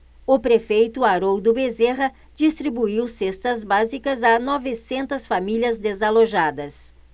o prefeito haroldo bezerra distribuiu cestas básicas a novecentas famílias desalojadas